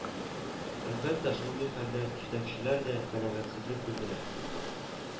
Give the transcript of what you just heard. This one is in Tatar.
Әлбәттә, шундый хәлдә җитәкчеләр дә канәгатьсезлек белдерә